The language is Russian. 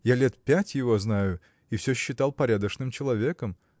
Я лет пять его знаю и все считал порядочным человеком